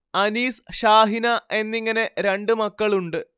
അനീസ് ഷാഹിന എന്നിങ്ങനെ രണ്ട് മക്കളുണ്ട്